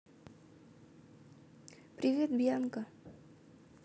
привет бьянка